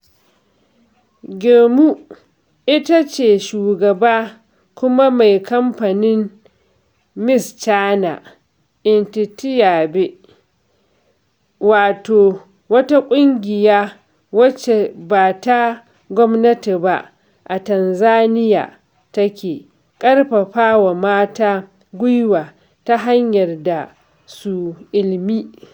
Gyumi ita ce shugaba kuma mai kamfanin Msichana Inititiaɓe (Young Woman Initiatiɓe), wato wata ƙungiya wacce ba ta gwmnati ba a Tanzaniya da ke karfafawa mata gwiwa ta hanyar ba su ilimi.